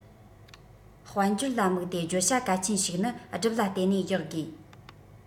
དཔལ འབྱོར ལ དམིགས ཏེ བརྗོད བྱ གལ ཆེན ཞིག ནི སྒྲུབ ལ བརྟེན ནས རྒྱག དགོས